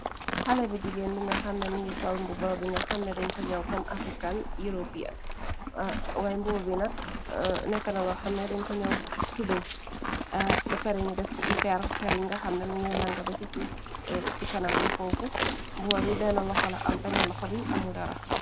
Xale bu jigeen bi nga xamna mi ngi sol mbuba bi nga xamna deñ ko ñow kom african yuropean. Waaye mbuuba bi nekkona lo xamna deñ ko ñoow tubey ba pare. Nyu def ci hiper peri nga xamna minge langa ba c suuf. Ci kanamam foofu mbuuba bi benn loxolo am beni loxo bi amul dara.